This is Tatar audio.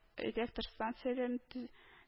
Электр станцияләрен төз